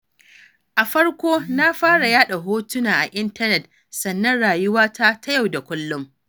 A farko, na fara yaɗa hotuna a intanet sannan rayuwata ta yau da kullum.